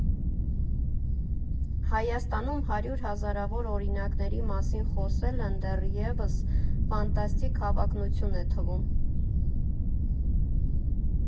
Հայաստանում հարյուր հազարավոր օրինակների մասին խոսելն դեռևս ֆանտաստիկ հավակնություն է թվում։